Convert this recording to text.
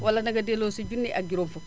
wala na nga delloo si junni ak juróom fukk